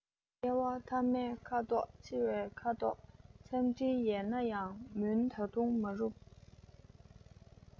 བསྐལ བ མཐའ མའི ཁ དོག འཆི བའི ཁ དོག མཚམས སྤྲིན ཡལ ན ཡང མུན ད དུང མ རུབ